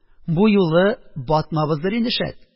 – бу юлы батмабыздыр инде, шәт